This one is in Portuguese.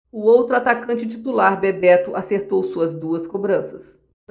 o outro atacante titular bebeto acertou suas duas cobranças